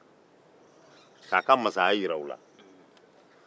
k'a ka masaya jira u la